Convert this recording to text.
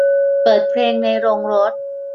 เปิดเพลงในโรงรถ